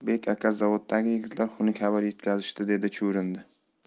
bek aka zavoddagi yigitlar xunuk xabar yetkazishdi dedi chuvrindi